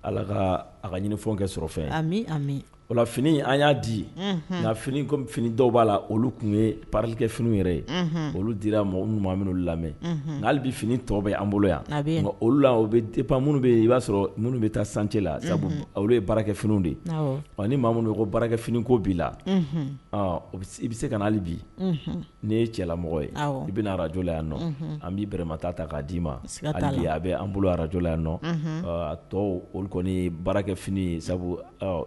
Ala ka a kafɔkɛ sɔrɔ nɔfɛ o fini an y'a di nka fini fini dɔw b'a la olu tun ye palikɛfini yɛrɛ ye olu dira ma minnu olu lamɛn nale bɛ fini tɔ bɛ an bolo yan nka olu la o pan minnu bɛ yen i b'a sɔrɔ minnu bɛ taa sancɛ la olu ye baarakɛ finiw de wa ni mamu ko baarakɛ finiini ko b'i la i bɛ se ka haliale bi ni ye cɛlamɔgɔ ye i bɛ arajla yan nɔ an b'i bɛrɛma taa ta k'a d'i ma a bɛ an bolo araj yan nɔ tɔ olu kɔni baarakɛ fini sabu